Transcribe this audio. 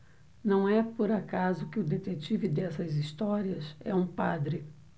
não é por acaso que o detetive dessas histórias é um padre